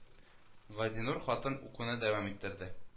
Газинур хатын укуны дәвам иттерде